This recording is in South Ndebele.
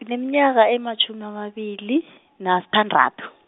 ngineminyaka ematjhumi amabili, nasithandathu.